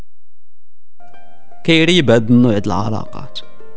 تيري بدويه العلاقات